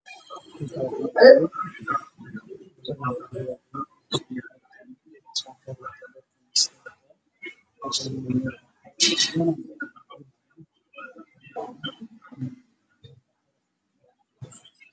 Halkaan waxaa ka muuqdo hool ay ku jiraan rag badan waxaana ugu horeeyo nin qabo shaati cadaan, saacad iyo ookiyaalo madaw ah midka kalena waxa uu qabaa qamiis cadays iyo buluug iskugu jiro